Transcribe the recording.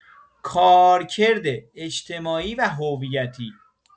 کارکرد اجتماعی و هویتی